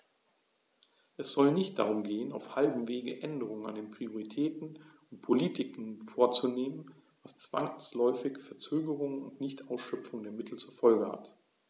Es sollte nicht darum gehen, auf halbem Wege Änderungen an den Prioritäten und Politiken vorzunehmen, was zwangsläufig Verzögerungen und Nichtausschöpfung der Mittel zur Folge hat.